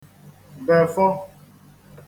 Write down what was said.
bèfọ